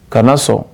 Kana na sɔn